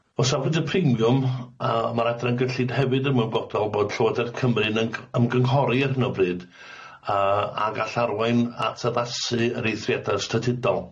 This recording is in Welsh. O safled y premiwm yy ma'r adran gyllid hefyd ymwybodol bod Llywodraeth Cymru'n yn c- ymgynghori ar hyn o bryd yy a gall arwain at addasu yr eithriada statudol.